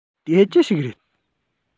དེ ཅི ཞིག རེད